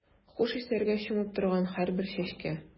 Хуш исләргә чумып торган һәрбер чәчкә.